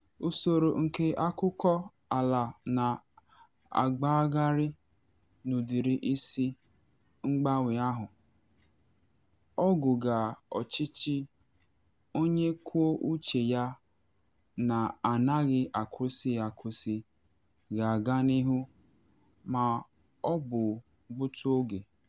Usoro nke akụkọ ala na agbagharị n’ụdịrị isi mgbanwe ahụ, ọgụga ọchịchị onye kwuo uche ya na anaghị akwụsị akwụsị ga-aga n’ihu ma ọ bụ gbutu oge.